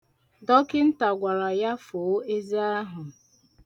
Dọkịnta gwara ya foo eze ahụ.